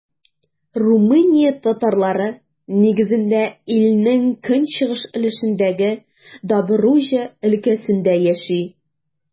Румыния татарлары, нигездә, илнең көнчыгыш өлешендәге Добруҗа өлкәсендә яши.